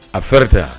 Afɛɛri tɛ